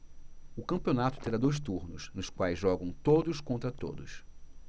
o campeonato terá dois turnos nos quais jogam todos contra todos